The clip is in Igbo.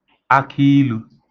akiilū